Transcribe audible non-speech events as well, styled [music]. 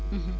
[hesitation] [hesitation]